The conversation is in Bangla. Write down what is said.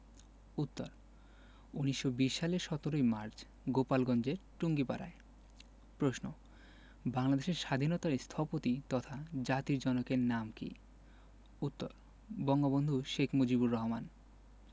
উত্তর ১৯২০ সালের ১৭ মার্চ গোপালগঞ্জের টুঙ্গিপাড়ায় প্রশ্ন বাংলাদেশের স্বাধীনতার স্থপতি তথা জাতির জনকের নাম কী উত্তর বঙ্গবন্ধু শেখ মুজিবুর রহমান